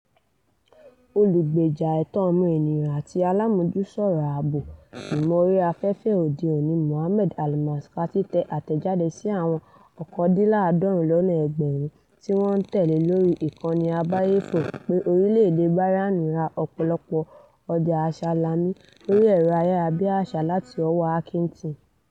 Olùgbèjà ẹ̀tọ́ ọmọnìyàn àti alájùmọ̀sọ̀rọ̀ ààbò ìmọ̀ orí afẹ́fẹ́ òde òní Mohammed Al-Maskati tẹ àtẹ̀jíṣẹ́ sì àwọn 89k tí wọn ń tẹ̀lée lórí ìkànnì abẹ́yẹfò pé Orílẹ̀-èdè Bahrain ra ọ̀pọ̀lọpọ̀ àwọn ọjà aṣe-alamí lórí ẹ̀rọ ayárabíàsá láti ọwọ́ Hacking Team.